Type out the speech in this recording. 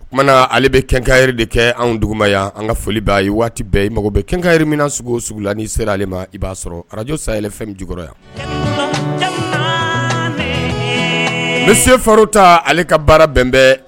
O kumana ale bɛ kɛkan de kɛ anw dugubaya yan an ka foli ba ye waati bɛɛ mago bɛ kɛnkanyri min s sugu la ni sera ale ma i b'a sɔrɔ ararakajo sa yɛrɛ fɛn jukɔrɔ yan ne sefarin ta ale ka baara bɛnbɛn